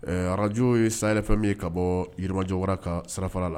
Ararajo ye saya yɛrɛ fɛn min ye ka bɔ yirimajɔ wara ka sirara la